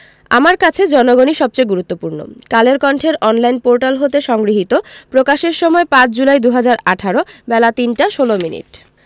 আমার কাছে জনগণই সবচেয়ে গুরুত্বপূর্ণ কালের কন্ঠের অনলাইন পোর্টাল হতে সংগৃহীত প্রকাশের সময় ৫ জুলাই ২০১৮ বেলা ৩টা ১৬ মিনিট